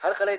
har qalay